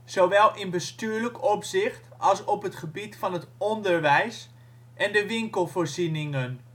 zowel in bestuurlijk opzicht als op het gebied van het onderwijs en de winkelvoorzieningen